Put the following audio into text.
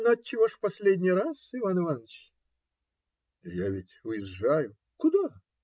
- Но отчего же в последний раз, Иван Иваныч? - Я ведь уезжаю. - Куда?